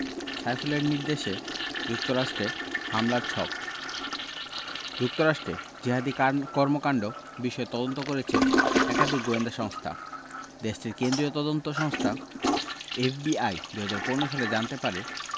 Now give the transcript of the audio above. সাইফুলের নির্দেশে যুক্তরাষ্টে হামলার ছক যুক্তরাষ্টে জিহাদি কর্মকাণ্ড বিষয়ে তদন্ত করেছে একাধিক গোয়েন্দা সংস্থা দেশটির কেন্দ্রীয় তদন্ত সংস্থা এফবিআই ২০১৫ সালে জানতে পারে